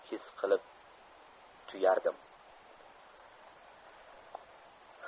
his qilib yetadilar